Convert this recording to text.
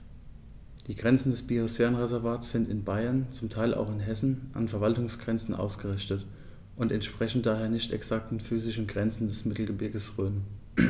Die Grenzen des Biosphärenreservates sind in Bayern, zum Teil auch in Hessen, an Verwaltungsgrenzen ausgerichtet und entsprechen daher nicht exakten physischen Grenzen des Mittelgebirges Rhön.